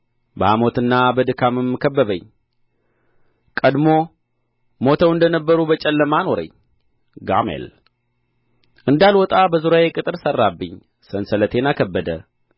በሐሞትና በድካምም ከበበኝ ቀድሞ ሞተው እንደ ነበሩ በጨለማ አኖረኝ ጋሜል እንዳልወጣ በዙሪያዬ ቅጥር ሠራብኝ ሰንሰለቴን አከበደ